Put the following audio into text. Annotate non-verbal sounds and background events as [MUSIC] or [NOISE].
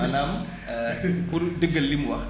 maanaam [HESITATION] [LAUGHS] pour dëggal li mu wax